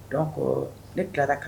Don ne tilara kan